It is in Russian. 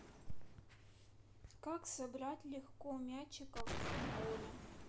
как собрать легко мячиков в футболе